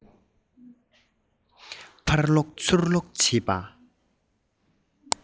ཕར སློག ཚུར སློག བྱེད པ